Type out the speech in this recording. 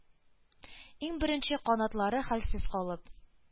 Иң беренче канатлары хәлсез калып,